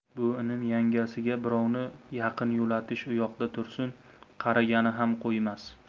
bu inim yangasiga birovni yaqin yo'latish u yoqda tursin qaragani ham qo'ymas